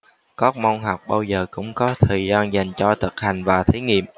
các môn học bao giờ cũng có thời gian dành cho thực hành và thí nghiệm